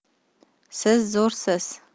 siz zo'rsiz